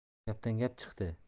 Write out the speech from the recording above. gapdan gap chiqdi